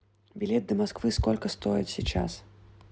билет до москвы сколько стоит сейчас